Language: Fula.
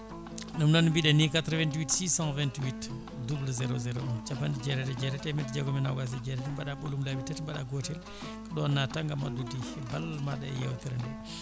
ɗum noon no mbiɗen ni 88 628 00 01 capanɗe jeetati e jeetati temedde jeegom e nogas e jeetati mbaɗa ɓolum laabi tati mbaɗa gotel ko natta gaam addude ballal maɗa e yewtere nde